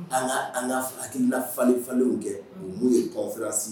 An an ka filakiina falen falenw kɛ n'u ye kɔfisi